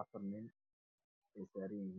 Afar nin ayaa saaran baraha